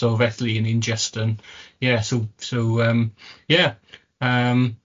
So felly ni'n jyst yn ie, so so yym, ie yym